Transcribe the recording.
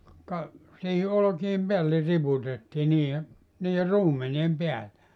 ka siihen olkien päälle riputettiin niiden niiden ruumenien päälle